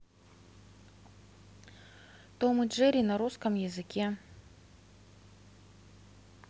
том и джерри на русском языке